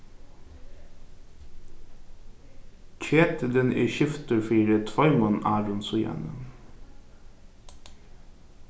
ketilin er skiftur fyri tveimum árum síðani